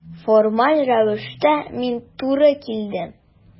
Формаль рәвештә мин туры килдем.